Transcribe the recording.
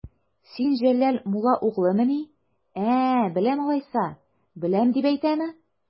Син Җәләл мулла угълымыни, ә, беләм алайса, беләм дип әйтәме?